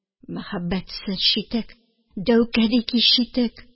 Мәхәббәтсез читек, дәүкәди читек